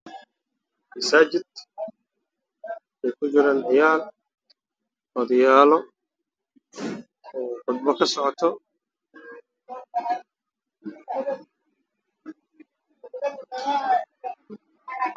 Waa masaajid waxaa fadhiya niman iyo ilmo yar yar